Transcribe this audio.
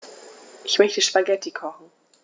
Ich möchte Spaghetti kochen.